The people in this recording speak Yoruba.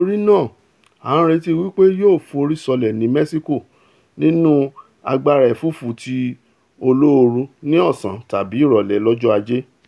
nítorínaa, a ńretí wí pé yóò forí sọlẹ̀ ní Mẹ́ṣíkò nínú agbára ẹ̀fúùfù ti olóorun ní ọ̀sán tábi ìrọ̀lẹ́ lọ́jọ́ Ajé.